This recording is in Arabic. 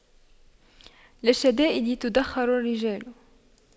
للشدائد تُدَّخَرُ الرجال